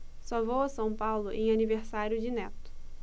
só vou a são paulo em aniversário de neto